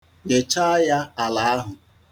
Nyechaa ya ala ahụ.